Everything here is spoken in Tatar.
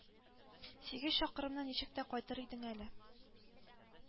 Сигез чакрымны ничек тә кайтыр идең әле.